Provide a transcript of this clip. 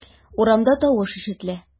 Урамда тавыш ишетелә.